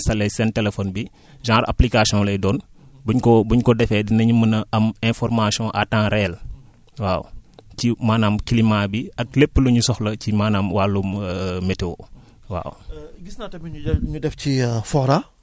météo Séné météo Sénégal buñ ko buñ ko buñ ko intaller seen téléphone bi genre application lay doon buñ ko buñ ko defeee dinañu mën a am information à temps réel waaw ci maanaam climat bi ak lépp lu ñu soxla ci maanaam wàllum météo waaw